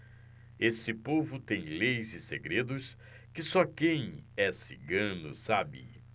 esse povo tem leis e segredos que só quem é cigano sabe